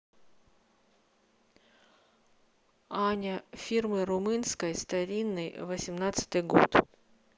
аня фирмы румынской старинный восемнадцатый года